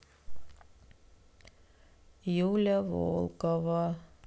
юля волкова